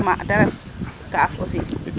ta ref ta ref kaaf aussi ?